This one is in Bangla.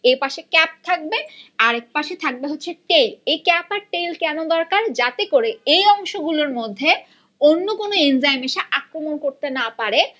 এই পাশে ক্যাপ থাকবে আর এক পাশে থাকবে হচ্ছে টেইল এই ক্যাপ আর টেইল কেন দরকার যাতে করে এই অংশ গুলোর মধ্যে অন্য কোন এনজাইম এসে আক্রমণ করতে না পারে